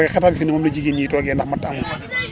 parce que xetax gi fii moom la jigéen ñiy toggee ndax matt amu fi